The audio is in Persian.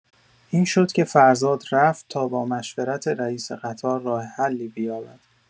این شد که فرزاد رفت تا با مشورت رئیس قطار راه حلی بیابد.